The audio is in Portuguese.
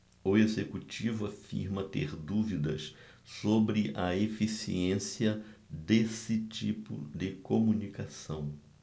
o executivo afirma ter dúvidas sobre a eficiência desse tipo de comunicação